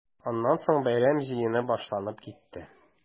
Аннан соң бәйрәм җыены башланып китте.